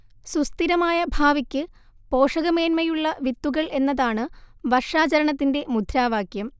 സുസ്ഥിരമായ ഭാവിക്ക് പോഷകമേന്മയുള്ള വിത്തുകൾ എന്നതാണ് വർഷാചരണത്തിന്റെ മുദ്രാവാക്യം